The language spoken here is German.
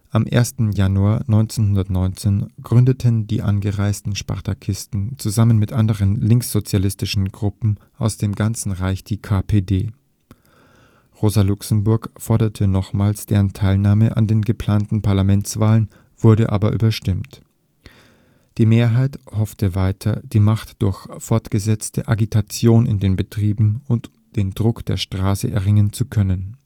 Am 1. Januar 1919 gründeten die angereisten Spartakisten zusammen mit anderen linkssozialistischen Gruppen aus dem ganzen Reich die KPD. Rosa Luxemburg forderte nochmals deren Teilnahme an den geplanten Parlamentswahlen, wurde aber überstimmt. Die Mehrheit hoffte weiter, die Macht durch fortgesetzte Agitation in den Betrieben und den Druck der „ Straße “erringen zu können